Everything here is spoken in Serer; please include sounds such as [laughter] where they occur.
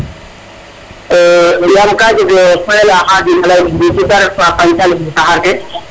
[hesitation] yam ka jeg ka KHadim a ley na ndiki te ref fa fañ tale taxar ke